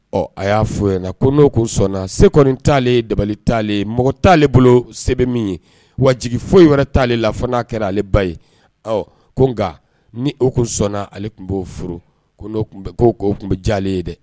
Ɔ a y'a fɔy na ko n'o ko sɔnna se kɔni' dabali t ta mɔgɔ t taaale ale bolo se bɛ min ye wa jigi foyi wɛrɛ t' ale la fo n'a kɛra ale ba ye ɔ ko nka ni' kun sɔnna ale tun b'o furu tun bɛ diyaale ye dɛ